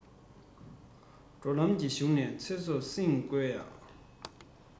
འགྲོ ལམ གྱི གཞུང ནས ཚེ སྲོག བསྲིང དགོས ཡ